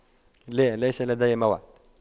لا ليس لدي موعد